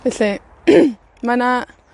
Felly, mae 'na,